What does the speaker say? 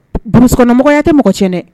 Bokɔnɔmɔgɔya tɛ mɔgɔ cɛn dɛ